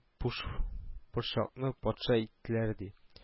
Буш борчакны патша иттеләр, ди